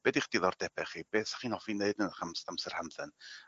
beth yw'ch diddordebe chi beth 'sach chi'n offi neud yn 'ych am-amser hamdden? .